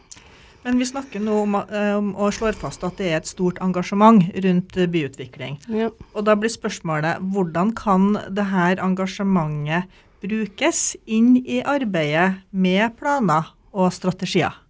men vi snakker nå om om og slår fast at det er et stort engasjement rundt byutvikling og da blir spørsmålet hvordan kan det her engasjementet brukes inn i arbeidet med planer og strategier?